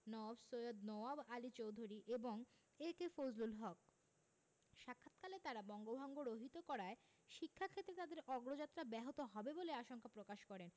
নওয়াব সৈয়দ নওয়াব আলী চৌধুরী এবং এ.কে ফজলুল হক সাক্ষাৎকালে তাঁরা বঙ্গভঙ্গ রহিত করায় শিক্ষাক্ষেত্রে তাদের অগ্রযাত্রা ব্যাহত হবে বলে আশঙ্কা প্রকাশ করেন